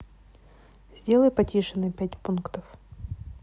сделай потише на пять пунктов